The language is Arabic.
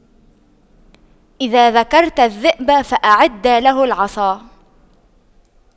إذا ذكرت الذئب فأعد له العصا